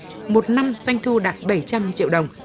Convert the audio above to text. một năm doanh thu đạt bảy trăm triệu đồng